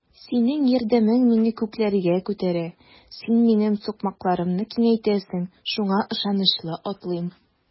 Синең ярдәмең мине күкләргә күтәрә, син минем сукмакларымны киңәйтәсең, шуңа ышанычлы атлыйм.